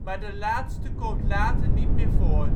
maar de laatste komt later niet meer voor